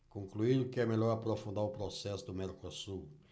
concluíram que é melhor aprofundar o processo do mercosul